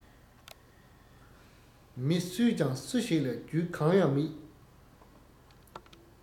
མི སུས ཀྱང སུ ཞིག ལ རྒྱུད གང ཡང མེད